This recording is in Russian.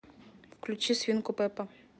включи свинку пеппа